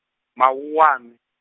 Mawuwani.